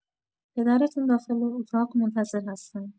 پدرتون داخل اتاق منتظر هستن.